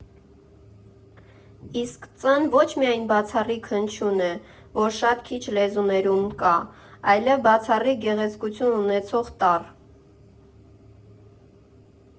Իսկ Ծ֊ն ոչ միայն բացառիկ հնչյուն է, որ շատ քիչ լեզուներում կա, այլև բացառիկ գեղեցկություն ունեցող տառ։